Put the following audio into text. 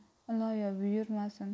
iloyo buyurmasin